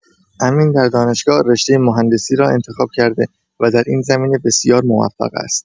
امین در دانشگاه، رشته مهندسی را انتخاب کرده و در این زمینه بسیار موفق است.